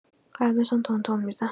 قلبشان تند تند می‌زد.